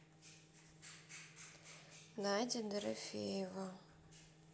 надя дорофеева